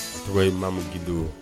O tɔgɔ ye Mamu Gindo